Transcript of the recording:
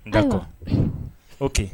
Nka o kɛ